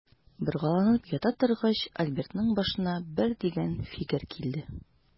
Боргаланып ята торгач, Альбертның башына бер дигән фикер килде.